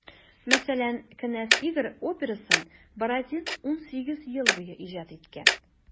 Мәсәлән, «Кенәз Игорь» операсын Бородин 18 ел буе иҗат иткән.